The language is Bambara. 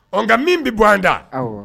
Ɔ nka min bɛ bɔ anda